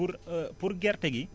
pour pour gerte gi